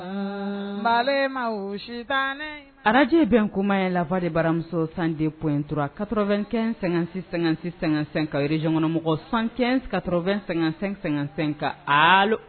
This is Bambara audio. Ma tan araj bɛ kuma ye lafa de baramuso san de p intura kato2ɛn sɛgɛn-sɛ- sɛgɛnsan kare janɔnkɔnɔmɔgɔ sanɛnkato2- sɛgɛn sɛgɛnsɛn ka ali